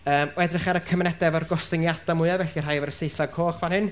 yym o edrych ar y cymunedau efo'r gostyngiadau mwya, felly rhai efo'r saethau coch fan hyn,